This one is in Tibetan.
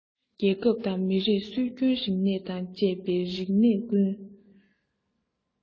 རྒྱལ ཁབ དང མི རིགས སྲོལ རྒྱུན རིག གནས དང བཅས པའི རིག གནས ཀུན